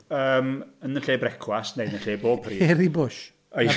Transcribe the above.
Yym yn y lle brecwast, neu yn y lle bob pryd... Hairy Bush?